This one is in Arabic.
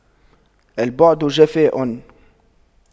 البعد جفاء